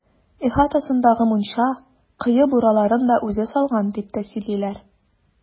Ихатасындагы мунча, кое бураларын да үзе салган, дип тә сөйлиләр.